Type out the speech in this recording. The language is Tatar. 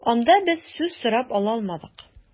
Анда без сүз сорап ала алмадык.